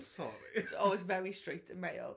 Sori?... Oh, it's very straight and male.